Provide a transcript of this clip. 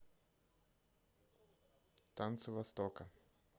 танцы востока